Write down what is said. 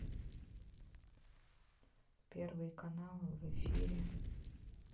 первый канал в эфире